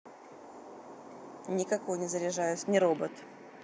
никакой не заряжаюсь не робот